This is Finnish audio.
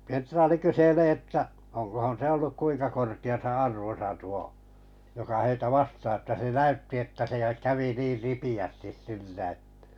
kenraali kyselee että onkohan se ollut kuinka korkeassa arvossa tuo joka heitä vastaan otti että se näytti että se kävi niin ripeästi sillä että